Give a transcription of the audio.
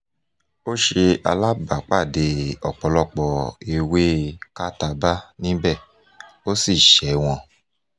Ó ṣe alábàápàdé ọ̀pọ̀lọpọ̀ ewé kátabá níbẹ̀ ó sì ṣẹ́ wọn.